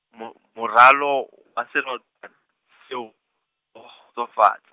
mo moralo wa sera- seo, oa kgotsofatsa.